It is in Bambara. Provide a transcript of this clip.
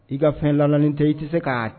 I ka fɛn lalannen tɛ i tɛ se k'a